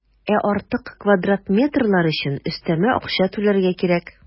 Ә артык квадрат метрлар өчен өстәмә акча түләргә кирәк.